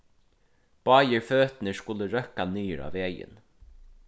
báðir føturnir skulu røkka niður á vegin